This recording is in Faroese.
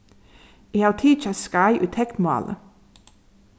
eg havi tikið eitt skeið í teknmáli